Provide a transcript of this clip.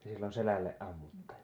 te silloin selälle ammuitte